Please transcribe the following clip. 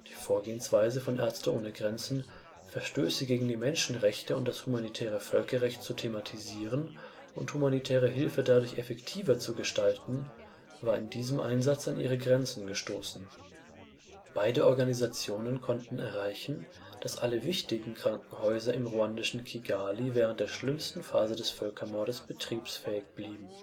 Vorgehensweise von MSF, Verstöße gegen die Menschenrechte und das humanitäre Völkerrecht zu thematisieren und humanitäre Hilfe dadurch effektiver zu gestalten, war in diesem Einsatz an ihre Grenzen gestoßen. Beide Organisationen konnten erreichen, dass alle wichtigen Krankenhäuser im ruandischen Kigali während der schlimmsten Phase des Völkermordes betriebsfähig blieben